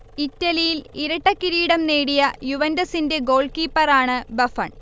ഇറ്റലിയിൽ ഇരട്ടക്കിരീടം നേടിയ യുവന്റസിന്റെ ഗോൾകീപ്പറാണ് ബഫൺ